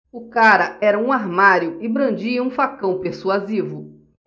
o cara era um armário e brandia um facão persuasivo